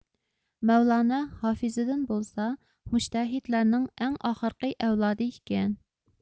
مەۋلانە ھافىزىددىن بولسا مۇجتەھىدلەرنىڭ ئەڭ ئاخىرقى ئەۋلادى ئىكەن